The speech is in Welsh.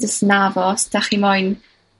jys 'na fo sdach chi moyn